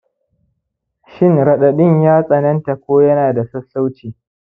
shin raɗaɗin ya tsananta ko ya na da sassauci